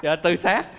dạ tự sát